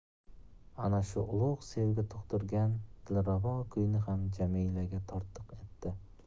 ana shu ulug' sevgi tug'dirgan dilrabo kuyni ham jamilaga tortiq etdi